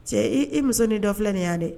Cɛ i muso ni dɔ filɛ nin ye yan dɛ